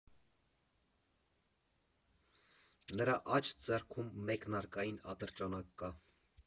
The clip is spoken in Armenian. Նրա աջ ձեռքում մեկնարկային ատրճանակ կա։